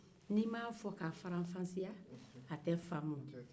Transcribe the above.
ni n m'a fɔ k'a faranfasiya a te faamu